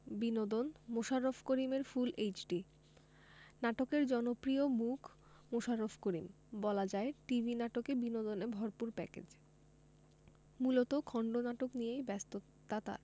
বিনোদন মোশাররফ করিমের full HD নাটকের জনপ্রিয় মুখ মোশাররফ করিম বলা যায় টিভি নাটকে বিনোদনে ভরপুর প্যাকেজ মূলত খণ্ডনাটক নিয়েই ব্যস্ততা তার